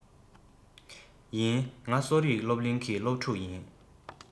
ཡིན ང གསོ རིག སློབ གླིང གི སློབ ཕྲུག ཡིན